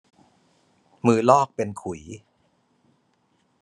มือลอกเป็นขุย